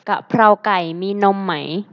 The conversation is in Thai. กะเพราไก่มีนมไหม